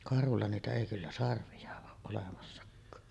karhulla niitä ei kyllä sarvia ole olemassakaan